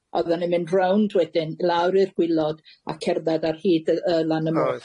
Oeddan ni'n mynd rownd wedyn i lawr i'r gwaelod, a cerddad ar hyd y- y lan y môr... Oedd.